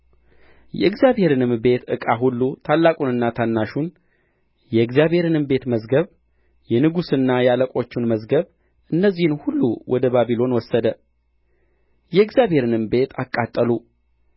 የእግዚአብሔርንም ቤት መዝገብ የንጉሡንና የአለቆቹን መዝገብ እነዚህን ሁሉ ወደ ባቢሎን ወሰደ የእግዚአብሔርንም ቤት አቃጠሉ